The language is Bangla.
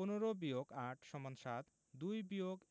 ১৫ – ৮ = ৭ ২ - ১ =১ ৩৫ – ১৮